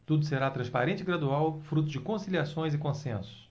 tudo será transparente e gradual fruto de conciliações e consensos